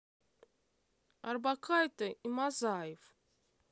орбакайте и мазаев